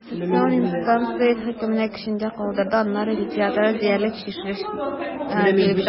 Кассацион инстанция хөкемне көчендә калдырды, аннары театраль диярлек чишелеш килеп чыкты.